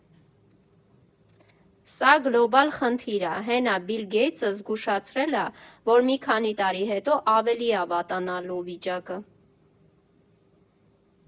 Սա գլոբալ խնդիր ա, հեն ա՝ Բիլ Գեյթսը զգուշացրել ա, որ մի քանի տարի հետո ավելի ա վատանալու վիճակը։